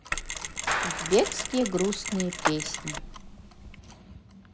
узбекские грустные песни